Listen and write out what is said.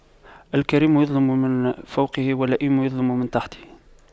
الكريم يظلم من فوقه واللئيم يظلم من تحته